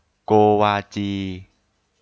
โกวาจี